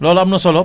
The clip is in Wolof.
loolu am na solo